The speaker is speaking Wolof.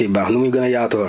ñu koy ñu koy partagé